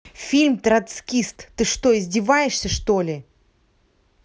фильм троцкист ты что издеваешься что ли